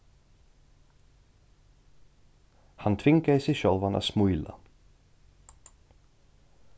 hann tvingaði seg sjálvan at smíla